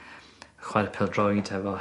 chware pêl-droed hefo...